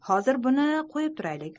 hozir buni qo'yib turaylik